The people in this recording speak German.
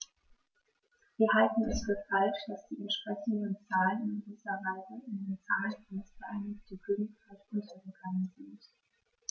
Wir halten es für falsch, dass die entsprechenden Zahlen in gewisser Weise in den Zahlen für das Vereinigte Königreich untergegangen sind.